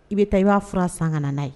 I bɛ taa i b'a f fura san ka n'a ye